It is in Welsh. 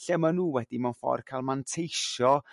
lle ma' nhw wedi mewn ffor' ca'l manteisio